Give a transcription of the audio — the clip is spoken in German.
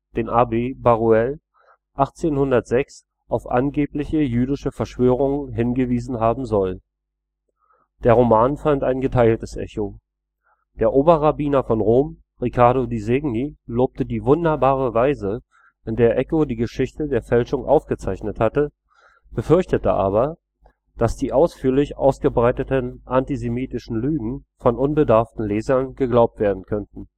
den Abbé Barruel, 1806 auf angebliche jüdische Verschwörungen hingewiesen haben soll. Der Roman fand ein geteiltes Echo. Der Oberrabbiner von Rom Riccardo Di Segni lobte die „ wunderbare Weise “, in der Eco die Geschichte der Fälschung aufgezeichnet hatte, befürchtete aber, dass die ausführlich ausgebreiteten antisemitischen Lügen von unbedarften Lesern geglaubt werden könnten